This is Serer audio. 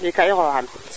i ka i ngoxax